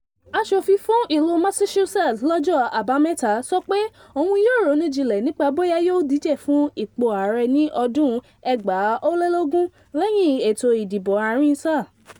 Aṣòfin fún ìlú Massachusetts, lọ́jọ́ Àbámẹ́ta sọ pé òun yóò ronú jinlẹ̀ nípa bóyá yóò díje fún ipò ààrẹ ní ọdún 2020 lẹ́yìn ètò ìdìbò àárín sáà.